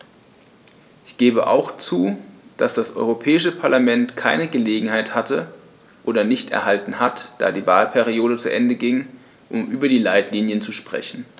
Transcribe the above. Ich gebe auch zu, dass das Europäische Parlament keine Gelegenheit hatte - oder nicht erhalten hat, da die Wahlperiode zu Ende ging -, um über die Leitlinien zu sprechen.